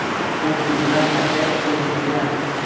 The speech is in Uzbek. o'zimizdan aka o'zimizdan